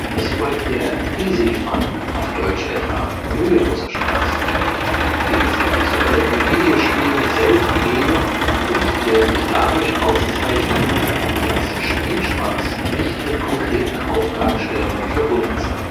Es folgt der „ Easy Fun “(etwa: „ müheloser Spaß “), den es laut Sirlin in Videospielen selten gebe und der sich dadurch auszeichne, dass Spielspaß nicht mit konkreten Aufgabenstellungen verbunden sei